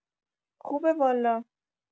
خوبه والا